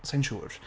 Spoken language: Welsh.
Sai'n siŵr.